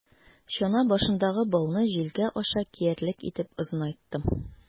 Чана башындагы бауны җилкә аша киярлек итеп озынайттым.